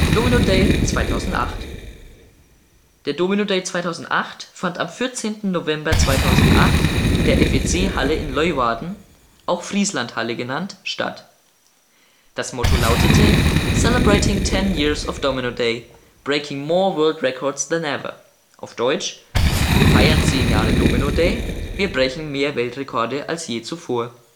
Domino Day 2008 Der Domino Day 2008 fand am 14. November 2008 in der FEC-Halle in Leeuwarden, auch Frieslandhalle genannt, statt. Das Motto lautete „ Celebrating 10 years of Domino Day – Breaking more World Records than ever “, auf Deutsch „ Wir feiern zehn Jahre Domino-Day – Wir brechen mehr Weltrekorde als je zuvor